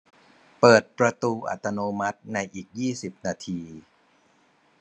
เปิดประตูอัตโนมัติในอีกยี่สิบนาที